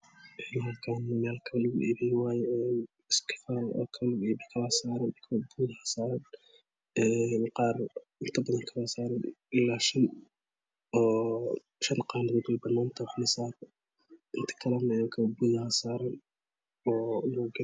Halkaan meel kabo lugu iibiyo waaye. Is kifaalo kabo saaran, kabo buud ah ayaa saaran inta badan kaba buud buuda saaran ilaa shan qaanadana way banaan tahay.